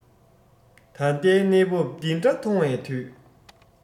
ད ལྟའི གནས བབས འདི འདྲ མཐོང བའི དུས